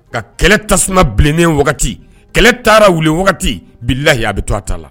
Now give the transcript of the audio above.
Ka kɛlɛ tasuma tasuma bilennen wagati kɛlɛ taara wuli wagati bilayi a bɛ to t'a la